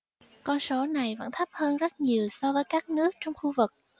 con số này vẫn thấp hơn rất nhiều so với các nước trong khu vực